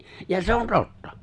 ja se on totta